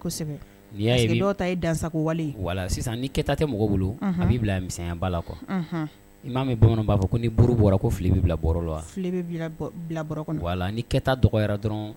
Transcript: Kɔsɔbɛ n'i y'a ye ni parce que dɔw ta ye dansagoya wale ye voilà sisan ni kɛta tɛ mɔgɔ bolo unhun a b'i bila misɛnya bala quoi unhun i m'a mɛ bamananw b'a fɔ ko ni buru bɔra ko fili bɛ bila bɔrɔ lɔ a fili bɛ bila bɔ bila bɔrɔ kɔnɔ voilà ni kɛta dɔgɔyara dɔrɔn